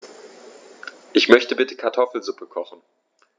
Ich möchte bitte Kartoffelsuppe kochen.